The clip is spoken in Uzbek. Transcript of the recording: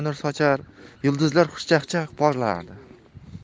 nur sochar yulduzlar xushchaqchaq porlardi